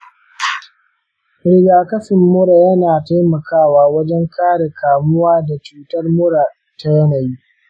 rigakafin mura yana taimakawa wajen kare kamuwa da cutar mura ta yanayi.